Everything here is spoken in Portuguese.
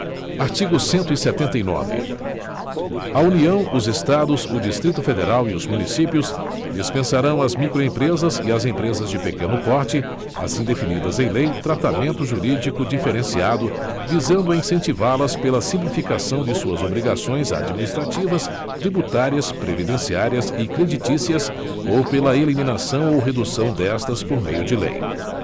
artigo cento e setenta e nove a união os estados o distrito federal e os municípios dispensarão às microempresas e às empresas de pequeno porte assim definidas em lei tratamento jurídico diferenciado visando a incentivá las pela simplificação de suas obrigações administrativas tributárias previdenciárias e creditícias ou pela eliminação ou redução destas por meio de lei